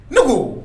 Ne